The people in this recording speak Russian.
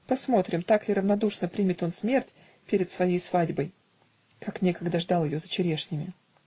Посмотрим, так ли равнодушно примет он смерть перед своей свадьбой, как некогда ждал ее за черешнями!